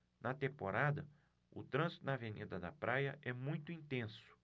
na temporada o trânsito na avenida da praia é muito intenso